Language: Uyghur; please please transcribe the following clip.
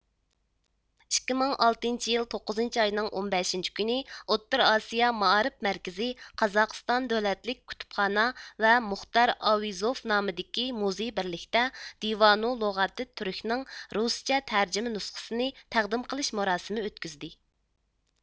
ئىككى مىڭ ئالتىنچى يىل توققۇزىنچى ئاينىڭ ئون بەشىنچى كۈنى ئوتتۇرا ئاسىيا مائارىپ مەركىزى قازاقىستان دۆلەتلىك كۇتۇپخانا ۋە مۇختار ئاۋىزوۋ نامىدىكى مۇزېي بىرلىكتە دىۋانۇ لۇغاتىت تۈركنىڭ رۇسچە تەرجىمە نۇسخىسىنى تەقدىم قىلىش مۇراسىمى ئۆتكۈزدى